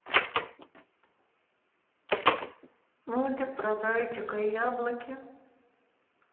мультик про зайчика и яблоки